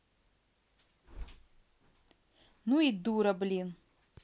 ну и дура блин